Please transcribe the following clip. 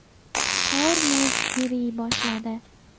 qor muz eriy boshladi